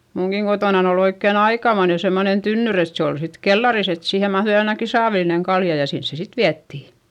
minunkin kotonani oli oikein aikamoinen semmoinen tynnyri että se oli sitten kellarissa että siihen mahtui ainakin saavillinen kaljaa ja sinne se sitten vietiin